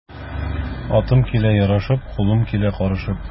Атым килә ярашып, кулым килә карышып.